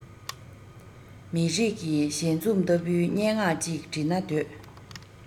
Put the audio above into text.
མེ ཏོག གི བཞད འཛུམ ལྟ བུའི སྙན ངག ཅིག འབྲི ན འདོད